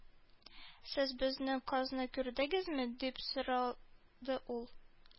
"сез безнең казны күрдегезме" дип сорады ул